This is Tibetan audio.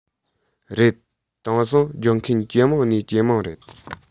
རེད དེང སང སྦྱོང མཁན ཇེ མང ནས ཇེ མང རེད